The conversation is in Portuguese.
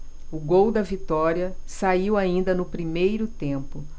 o gol da vitória saiu ainda no primeiro tempo